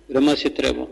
Bɛ ma se tɛ bɔ